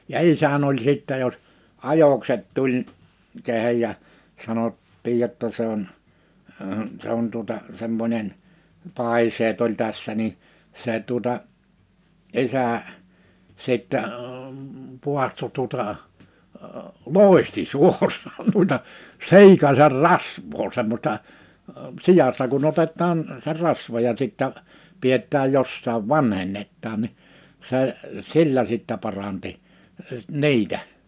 ja isäni oli sitten jos ajokset tuli kehen ja sanottiin jotta se on se on tuota semmoinen paiseet oli tässä niin se tuota isä sitten paahtoi tuota loihti suoraan noita siikasen rasvaa semmoista siasta kun otetaan se rasva ja sitten pidetään jossakin vanhennetaan niin se sillä sitten paransi niitä